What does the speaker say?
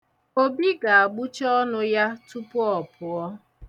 Obi ga-agbụcha ọnụ ya tupu ọ pụọ.